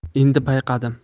endi payqadim